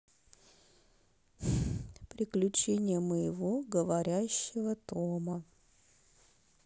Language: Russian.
приключения моего говорящего тома